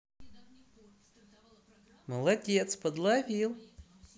молодец подловил